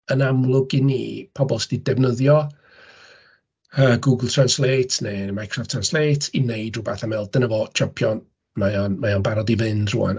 Yn amlwg i ni pobl sy 'di defnyddio yy Google Translate neu Microsoft Translate i wneud rywbeth a meddwl, dyna fo, tsampion, mae o'n mae o'n barod i fynd rŵan.